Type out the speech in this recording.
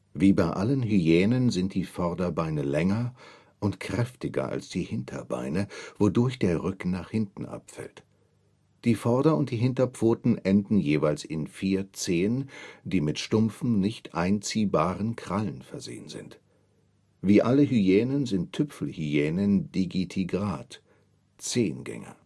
Wie bei allen Hyänen sind die Vorderbeine länger und kräftiger als die Hinterbeine, wodurch der Rücken nach hinten abfällt. Die Vorder - und die Hinterpfoten enden jeweils in vier Zehen, die mit stumpfen, nicht einziehbaren Krallen versehen sind. Wie alle Hyänen sind Tüpfelhyänen digitigrad (Zehengänger